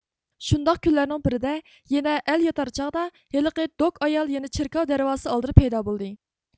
شۇنداق كۈنلەرنىڭ بىرىدە يەنە ئەل ياتار چاغدا ھېلىقى دۆك ئايال يەنە چېركاۋ دەرۋازىسى ئالدىدا پەيدا بولدى